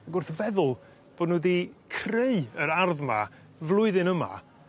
Ag wrth feddwl bo' n'w 'di creu yr ardd yma flwyddyn yma